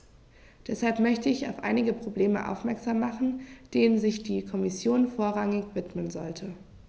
Deshalb möchte ich auf einige Probleme aufmerksam machen, denen sich die Kommission vorrangig widmen sollte.